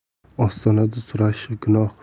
ostonada so'rashish gunoh